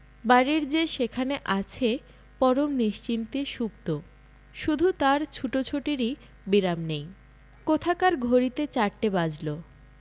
বাড়ির যে সেখানে আছে পরম নিশ্চিন্তে সুপ্ত শুধু তাঁর ছুটোছুটিরই বিরাম নেই কোথাকার ঘড়িতে চারটে বাজলো